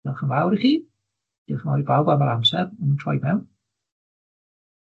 Diolch yn fawr i chi, diolch yn fawr i bawb am yr amser yn troi fewn.